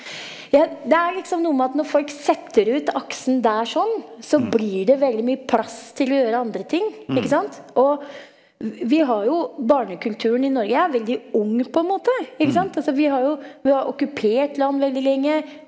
jeg det er liksom noe med at når folk setter ut aksen der sånn så blir det veldig mye plass til å gjøre andre ting, ikke sant, og vi har jo barnekulturen i Norge er veldig ung på en måte ikke sant, altså vi har jo vi har okkupert land veldig lenge.